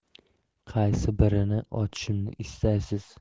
qaysi birini ochishimni istaysiz